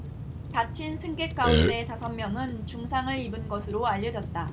다친 승객 가운데 다섯 명은 중상을 입은 것으로 알려졌다